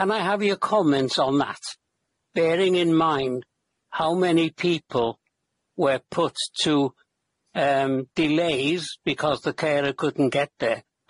Can I have your comments on that, bearing in mind how many people were put to um delays because the carer couldn't get there,